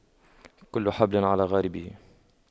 كل حبل على غاربه